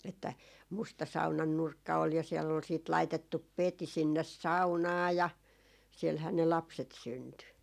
että musta saunan nurkka oli ja siellä oli sitten laitettu peti sinne saunaan ja siellähän ne lapset syntyi